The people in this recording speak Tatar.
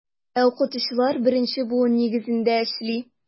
Ә укытучылар беренче буын нигезендә эшли.